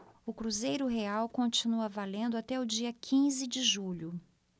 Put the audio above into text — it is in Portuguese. o cruzeiro real continua valendo até o dia quinze de julho